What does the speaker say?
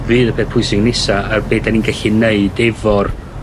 fydd y peth pwysig nesa, a be' 'dan ni'n gallu neud efo'r